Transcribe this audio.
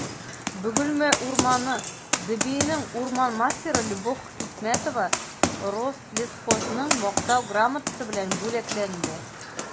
«бөгелмә урманы» дбинең урман мастеры любовь хикмәтова рослесхозның мактау грамотасы белән бүләкләнде